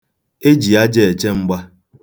E ji aja eche mgba.